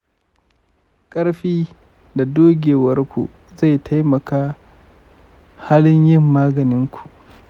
ƙarfi da dogewar ku zai taimakama halin yin maganin ku.